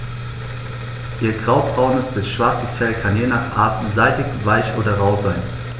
Ihr graubraunes bis schwarzes Fell kann je nach Art seidig-weich oder rau sein.